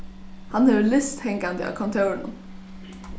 hann hevur list hangandi á kontórinum